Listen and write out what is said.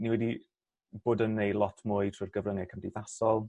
ni wedi bod yn neu lot mwy trwy'r gyfrynge cymdeithasol.